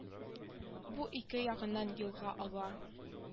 Бу ике ягыннан елга ага